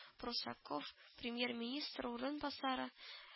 Прусаков Премьер-министры урынбасары